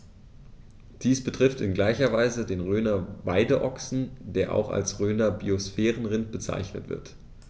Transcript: Dies betrifft in gleicher Weise den Rhöner Weideochsen, der auch als Rhöner Biosphärenrind bezeichnet wird.